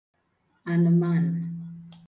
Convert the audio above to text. anụmanụ̄